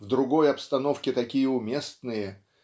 в другой обстановке такие уместные